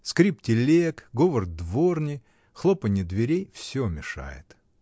скрып телег, говор дворни, хлопанье дверей — всё мешает.